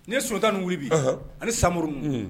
N ye ni wuli bi ani samuru